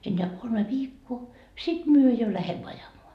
enää kolme viikkoa sitten me jo lähdemme ajamaan